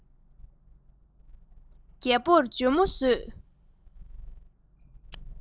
རྒྱལ པོར འཇོལ མོ བཟོས